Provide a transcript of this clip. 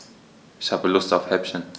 Ich habe Lust auf Häppchen.